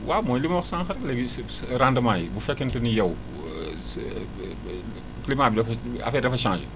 waaw mooy li ma wax sànq rek léegi sa rendements yi bu fekkente ne yow sa climat bi dafa affaire yi dafa changer